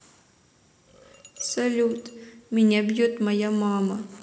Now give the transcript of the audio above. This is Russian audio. салют меня бьет моя мама